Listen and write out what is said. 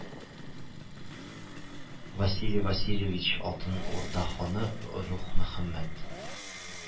Василий Васильевич Алтын Урда ханы Олуг Мөхәммәд